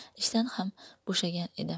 ishdan ham bo'shagan edi